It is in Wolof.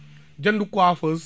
jënd coiffeuse